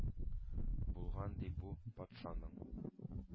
Булган, ди, бу патшаның.